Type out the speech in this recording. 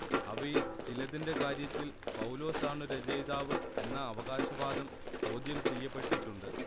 അവയിൽ ചിലതിന്റെ കാര്യത്തിൽ പൗലോസാണു രചയിതാവ് എന്ന അവകാശവാദം ചോദ്യംചെയ്യപ്പെട്ടിട്ടുണ്ട്